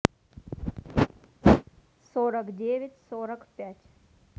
сорок девять сорок пять